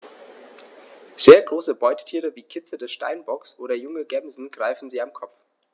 Sehr große Beutetiere wie Kitze des Steinbocks oder junge Gämsen greifen sie am Kopf.